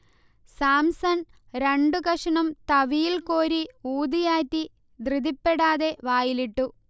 സാംസൺ രണ്ടു കഷണം തവിയിൽ കോരി ഊതിയാറ്റി ധൃതിപ്പെടാതെ വായിലിട്ടു